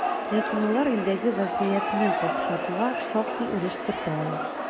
Ләкин алар илдәге вазгыятьне какшатуга шактый өлеш кертә ала.